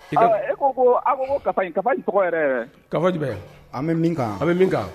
Tɔgɔ ka an bɛ kan a bɛ